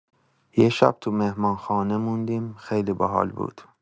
یه شب تو مهمانخانه موندیم، خیلی باحال بود.